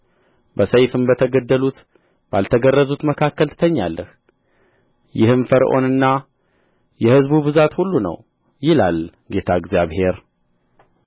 በሰይፍም በተገደሉት ባልተገረዙት መካከል ትተኛለህ ይህም ፈርዖንና የሕዝቡ ብዛት ሁሉ ነው ይላል ጌታ እግዚአብሔር